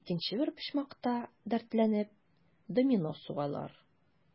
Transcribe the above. Икенче бер почмакта, дәртләнеп, домино сугалар.